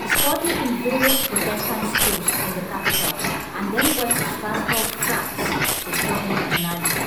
He studied in various Protestant schools in the capital and then went to Strasbourg, France to study journalism.